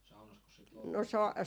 saunassakos sitä loukutettiin